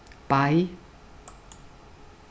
bei